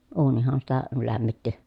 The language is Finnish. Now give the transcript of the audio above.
uunihan sitä lämmitti